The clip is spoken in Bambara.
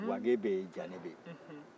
wage bɛ yen janɛ bɛ yen